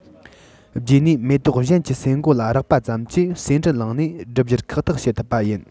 རྗེས ནས མེ ཏོག གཞན གྱི ཟེ མགོ ལ རེག པ ཙམ གྱིས ཟེའུ འབྲུ བླངས ནས འགྲུབ རྒྱུར ཁེག ཐག བྱེད ཐུབ པ ཡིན